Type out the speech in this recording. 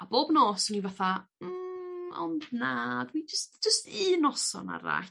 A bob nos o'n i fytha mmm ond na dwi jyst jyst un noson arall.